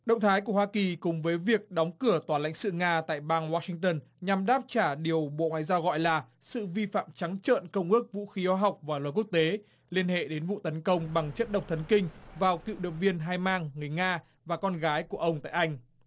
động thái của hoa kỳ cùng với việc đóng cửa tòa lãnh sự nga tại bang oa sinh tơn nhằm đáp trả điều bộ ngoại giao gọi là sự vi phạm trắng trợn công ước vũ khí hóa học và luật quốc tế liên hệ đến vụ tấn công bằng chất độc thần kinh vào cựu điệp viên hai mang người nga và con gái của ông tại anh